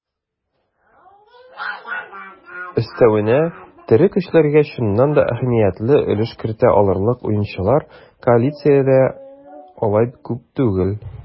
Өстәвенә, тере көчләргә чыннан да әһәмиятле өлеш кертә алырлык уенчылар коалициядә алай күп түгел.